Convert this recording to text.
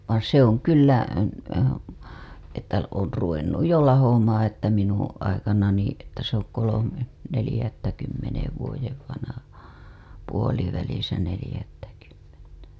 vaan se on kyllä että on ruvennut jo lahoamaan että minun aikanani että se on kolme neljättäkymmenen vuoden vanha puolivälissä neljättäkymmentä